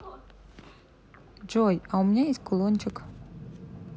джой а у меня есть кулончик